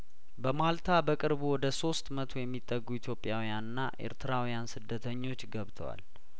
በማልታ በቅርቡ ወደ ሶስት መቶ የሚጠጉ ኢትዮጵያዊያንና ኤርትራዊያን ስደተኞች ገብተዋል